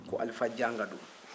ko alifa janka don